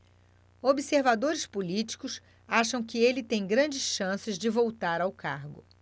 observadores políticos acham que ele tem grandes chances de voltar ao cargo